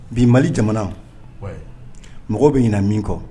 Bi mali jamana mɔgɔ bɛ ɲin min kɔ